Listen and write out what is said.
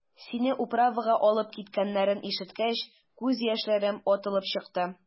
Сине «управа»га алып киткәннәрен ишеткәч, күз яшьләрем атылып чыкты.